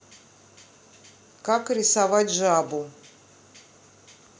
как рисовать жабу